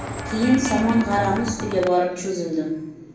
keyin somon g'arami ustiga borib cho'zildim